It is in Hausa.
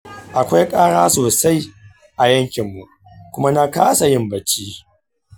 akwai ƙara sosai a yankinmu kuma na kasa yin bacci.